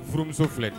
Furumuso filɛ